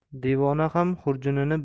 devona ham xurjunini